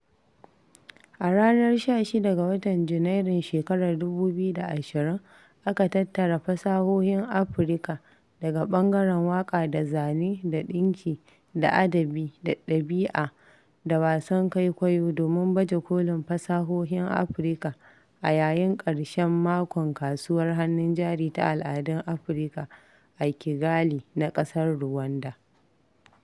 A ranar 16 ga watan Junairun shekarar 2020 aka tattara fasahohin Afirka daga ɓangaren waƙa da zane da ɗinki da adabi da ɗab'i da wasan kwaikwayo domin baje kolin fasahohin Afirka a yayin ƙarshen makon Kasuwar Hannun Jari ta al'adun Afirka a Kigali na ƙasar Ruwanda.